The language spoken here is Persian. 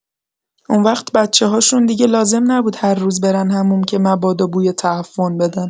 اونوقت بچه‌هاشون دیگه لازم نبود هر روز برن حموم که مبادا بوی تعفن بدن!